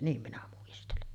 niin minä muistelen